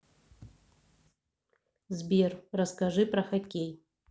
сбер расскажи про хоккей